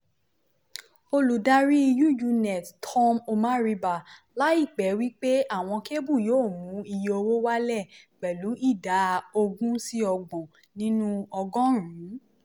Olùdarí UUnet Tom Omariba láìpẹ́ wí pé àwọn kébù yóò mú iye owó wálẹ̀ pẹ̀lú ìdá 20-30 nínú ọgọ́rùn-ún.